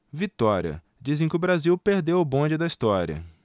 vitória dizem que o brasil perdeu o bonde da história